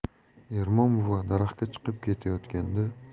ermon buva daraxtga chiqib ketayotganda